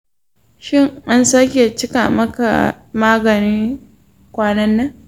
shin an sake cika maka takardar magani kwanan nan?